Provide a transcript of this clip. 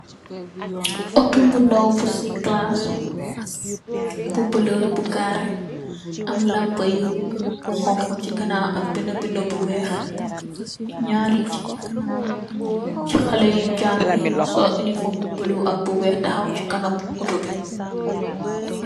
Auto bu ndaw bu ciclass, bu bulo, bu garè am lampa yu honku ci gannaw ak binda-binda bu weeh. Naari jigéen ci haley yi jàng ngi sol uniform bu bulo ak bu weeh tahaw ci kanam auto bi.